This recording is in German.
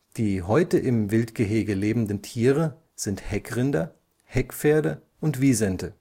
Die heute im Wildgehege lebenden Tiere sind Heckrinder, Heckpferde und Wisente